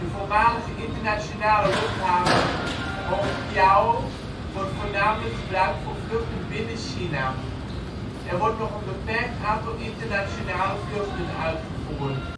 voormalige internationale luchthaven Hongqiao wordt voornamelijk gebruikt voor vluchten binnen China. Er wordt nog een beperkt aantal internationale vluchten uitgevoerd